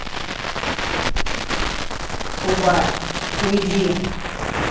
убавь уйди